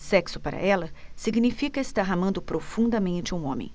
sexo para ela significa estar amando profundamente um homem